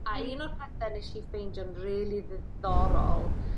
A un o'r pethe nesh i ffeindio'n rili ddiddorol